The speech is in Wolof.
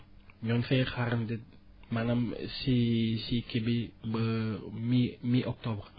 ñoo ngi fay xaarandi maanaam si si kii bi ba mi mi octobre